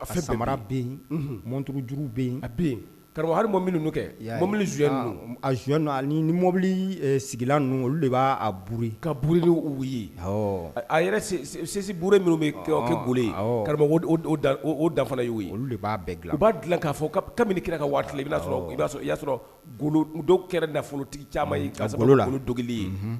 A fɛ bama bɛ yen mɔt juru bɛ yen a bɛ karamɔgɔ ha minnu kɛ mɔbiliy a zyɔn mɔbili sigilan ninnu olu de b'a b ka buru ye a yɛrɛsi buru minnu bɛke golo karamɔgɔo dan fana y'o ye olu de b'a dilan a b'a dilan k'a fɔ kabinimini kira ka waati i'a sɔrɔa i y'a sɔrɔ dɔw kɛra nafolotigi ca ye olu don ye